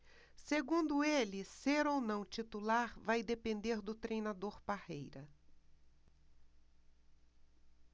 segundo ele ser ou não titular vai depender do treinador parreira